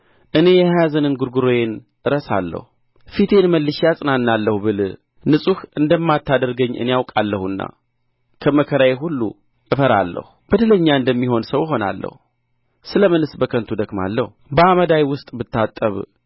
እኔ የኀዘን እንጕርጕሮዬን እረሳለሁ ፊቴን መልሼ እጽናናለሁ ብል ንጹሕ እንደማታደርገኝ እኔ አውቃለሁና ከመከራዬ ሁሉ እፈራለሁ በደለኛ እንደሚሆን ሰው እሆናለሁ ስለ ምንስ በከንቱ እደክማለሁ በአመዳይ ውስጥ ብታጠብ